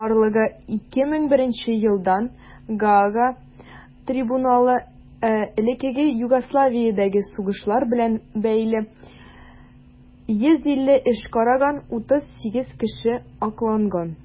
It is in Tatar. Барлыгы 2001 елдан Гаага трибуналы элеккеге Югославиядәге сугышлар белән бәйле 150 эш караган; 38 кеше акланган.